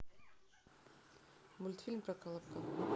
мультфильм про колобка